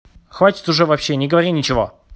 хватит уже вообще не говори ничего